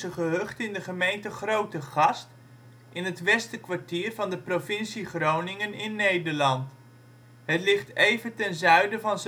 gehucht in de gemeente Grootegast, in het Westerkwartier van de provincie Groningen in Nederland. Het ligt even ten zuiden van